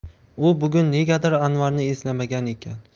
u bugun negadir anvarni eslamagan ekan